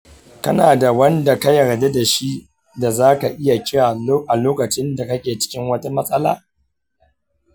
kana da wanda ka yarda da shi da zaka iya kira a lokacin da kake cikin wata matsala?